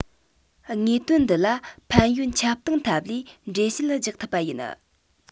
དངོས དོན འདི ལ ཕན ཡོད ཁྱབ སྟངས ཐབས ལས འགྲེལ བཤད རྒྱག ཐུབ པ ཡིན